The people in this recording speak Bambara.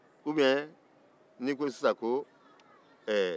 u biyɛn n'i ko sisan ko ɛɛ